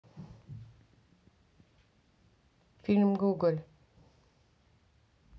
фильм гоголь